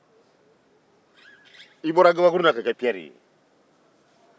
i bɔra kabakurun na ka kɛ perre ye